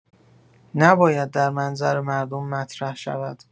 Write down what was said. نباید در منظر مردم مطرح شود